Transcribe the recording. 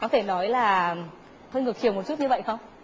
có thể nói là hơn ngược chiều một chút như vậy không